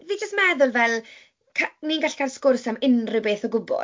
Fi jyst meddwl fel c- ni'n gallu cael sgwrs am unrhyw beth o gwbl.